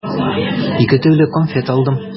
Ике төрле конфет алдым.